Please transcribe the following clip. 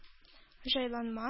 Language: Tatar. Җайланма